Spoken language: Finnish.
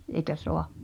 eikä saa